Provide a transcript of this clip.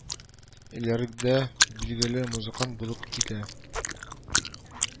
Илләрдә билгеле музыкант булып китә